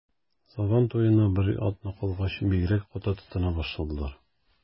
Сабан туена бер атна калгач, бигрәк каты тотына башладылар.